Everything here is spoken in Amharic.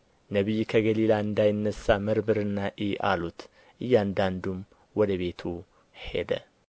ነቢይ ከገሊላ እንዳይነሣ መርምርና እይ አሉት እያንዳንዱም ወደ ቤቱ ሄደ